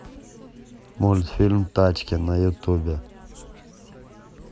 мультфильм тачки на ютубе